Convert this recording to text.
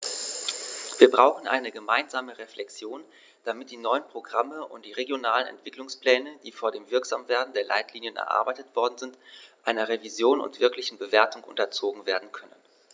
Wir brauchen eine gemeinsame Reflexion, damit die neuen Programme und die regionalen Entwicklungspläne, die vor dem Wirksamwerden der Leitlinien erarbeitet worden sind, einer Revision und wirklichen Bewertung unterzogen werden können.